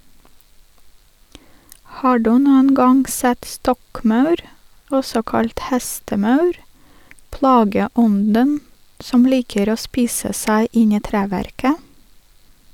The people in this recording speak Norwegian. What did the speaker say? Har du noen gang sett stokkmaur, også kalt hestemaur, plageånden som liker å spise seg inn i treverket?